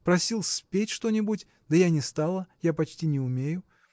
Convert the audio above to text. просил спеть что-нибудь, да я не стала, я почти не умею.